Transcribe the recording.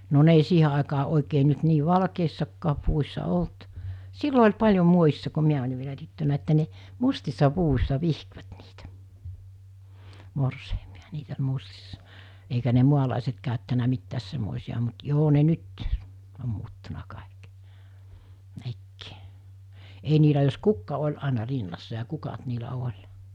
no ne ei siihen aikaan oikein nyt niin valkeissakaan puvussa ollut silloin oli paljon muodissa kun minä olin vielä tyttönä että ne mustissa puvuissa vihkivät niitä morsiamia niitä oli mustissa eikä ne maalaiset käyttänyt mitään semmoisia mutta joo ne nyt on muuttunut kaikki nekin ei niillä jos kukka oli aina rinnassa ja kukat niillä oli